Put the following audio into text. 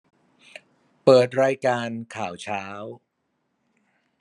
เปิดรายการข่าวเช้า